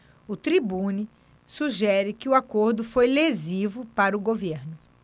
o tribune sugere que o acordo foi lesivo para o governo